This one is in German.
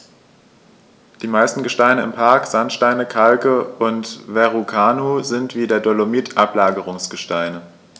Die meisten Gesteine im Park – Sandsteine, Kalke und Verrucano – sind wie der Dolomit Ablagerungsgesteine.